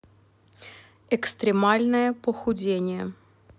экстремальное похудение